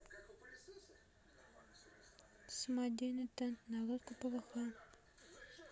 самодельный тент на лодку пвх